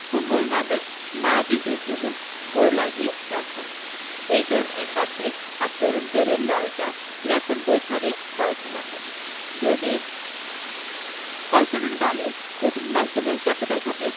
football নামের মায়াবী বিভ্রমে ঘোর লাগিয়ে যাচ্ছেন এই তরুণ এমবাপ্পে আর তরুণ পেলের লড়াইটা রেকর্ড বই ছাড়িয়ে গড়াচ্ছে মাঠে যদি কল্পনার গালে কঠিন বাস্তবের চপেটাঘাতে